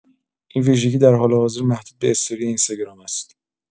این ویژگی در حال حاضر محدود به استوری اینستاگرام است.